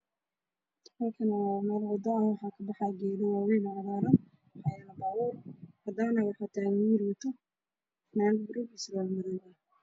Waa meel wado ah geedo waaweyn ayaa kabaxaayo